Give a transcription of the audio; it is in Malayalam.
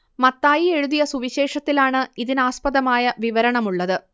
മത്തായി എഴുതിയ സുവിശേഷത്തിലാണ് ഇതിനാസ്പദമായ വിവരണമുള്ളത്